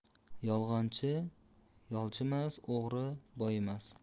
yolg'onchi yolchimas o'g'ri boyimas